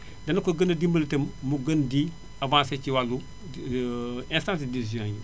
dana ko gën a dimbali itam mu gën di avancé ci wàllu instances de décision yi